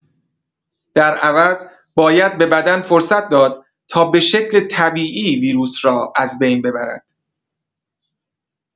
در عوض باید به بدن فرصت داد تا به شکل طبیعی ویروس را از بین ببرد.